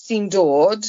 sy'n dod